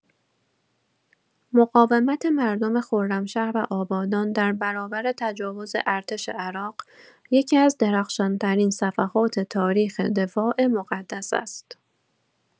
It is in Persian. مقاومت مردم خرمشهر و آبادان در برابر تجاوز ارتش عراق، یکی‌از درخشان‌ترین صفحات تاریخ دفاع مقدس است.